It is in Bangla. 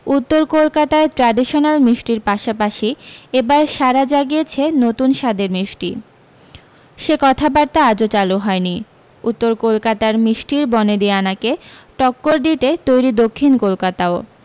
উত্তর কলকাতায় ট্র্যাডিশনাল মিষ্টির পাশাপাশি এবার সাড়া জাগিয়েছে নতুন স্বাদের মিষ্টি সে কথাবার্তা আজও চালু হয়নি উত্তর কলকাতার মিষ্টির বনেদিয়ানাকে টক্কর দিতে তৈরী দক্ষিণ কলকাতাও